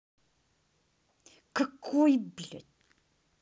какой блядь